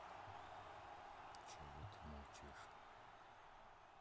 чего ты молчишь